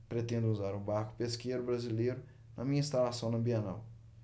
pretendo usar um barco pesqueiro brasileiro na minha instalação na bienal